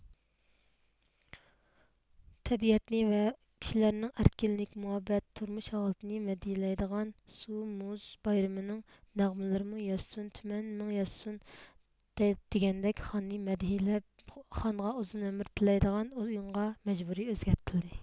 تەبىئەتنى ۋە كىشىلەرنىڭ ئەركىنلىك مۇھەببەت تۇرمۇش ھالىتىنى مەدھىيلەيدىغان سۇ مۇز بايرىمىنىڭ نەغمىلىرىمۇ ياشىسۇن تۈمەن مىڭ يىللار ياشىسۇن دېگەندەك خاننى مەدھىيلەپ خانغا ئۇزۇن ئۆمۈر تىلەيدىغان ئۇيۇنغا مەجبۇرى ئۆزگەرتىلدى